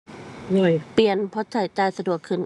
เปลี่ยน เพราะใช้จ่ายสะดวกขึ้น